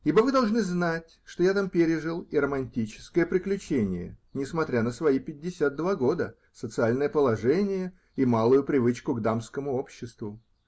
Ибо вы должны знать, что я там пережил и романтическое приключение, несмотря на свои пятьдесят два года, социальное положение и малую привычку к дамскому обществу.